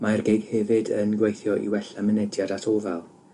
Mmae'r GIG hefyd yn gweithio i wella mynediad at ofal